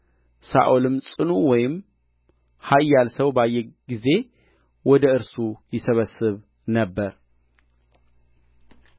ሳኦልም ጽኑ ወይም ኃያል ሰው ባየ ጊዜ ወደ እርሱ ይሰበስብ ነበር